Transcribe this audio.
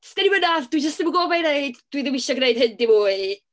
Sgen i'm mynadd, dwi jyst ddim yn gwybod be i wneud, dwi ddim isio gwneud hyn dim mwy.